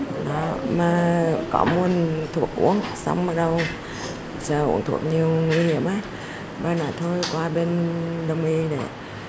đó mà có mua thuốc uống xong bắt đầu sợ uống thuốc nhiều nguy hiểm á mà nói thôi qua bên đông y để